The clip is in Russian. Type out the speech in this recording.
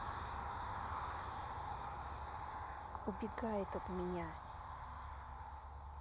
убегает от меня